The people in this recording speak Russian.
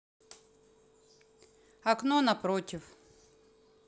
окно напротив